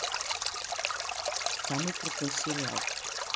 самый крутой сериал